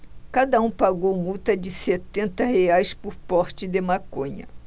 cada um pagou multa de setenta reais por porte de maconha